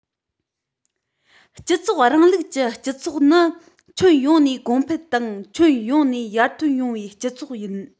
སྤྱི ཚོགས རིང ལུགས ཀྱི སྤྱི ཚོགས ནི ཁྱོན ཡོངས ནས གོང འཕེལ དང ཁྱོན ཡོངས ནས ཡར ཐོན ཡོང བའི སྤྱི ཚོགས ཡིན